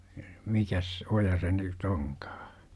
mikäs oja se - nyt onkaan